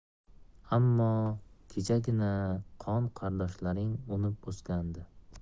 ammo kechagina qon qardoshlaring unib o'sgandi